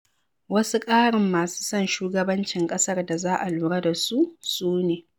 Wasu ƙarin masu son shugabancin ƙasar da za a lura da su su ne: